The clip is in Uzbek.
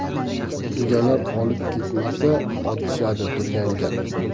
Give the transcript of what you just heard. egalari olib ketmasa otishadi turgan gap